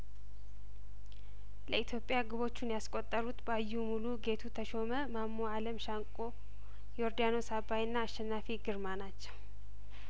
ለኢትዮጵያ ግቦቹን ያስቆጠሩት ባዩ ሙሉ ጌቱ ተሾመ ማሞ አለም ሻንቆ ዮርዳኖስ አባይና አሸናፊ ግርማ ናቸው